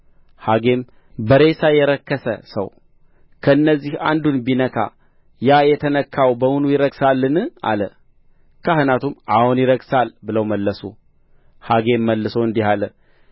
ሐጌም በሬሳ የረከሰ ሰው ከእነዚህ አንዱን ቢነካ ያ የተነካው በውኑ ይረክሳልን አለ ካህናቱም አዎን ይረክሳል ብለው መለሱ ሐጌም መልሶ እንዲህ አለ